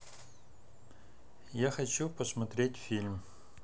я хочу посмотреть фильм